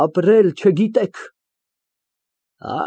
Ապրել չգիտեք։